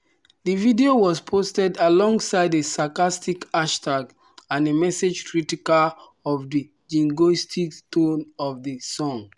The video was posted alongside a sarcastic hashtag and a message critical of the jingoistic tone of the song.